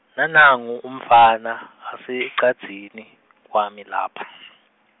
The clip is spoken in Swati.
nanangu umfana, asecadzini , kwami lapha.